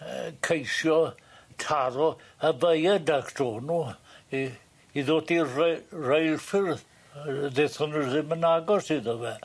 yy ceisio taro y viaduct o'n nw i i ddodi rei- reilffyrdd yy dethon nw ddim yn agos iddo fe.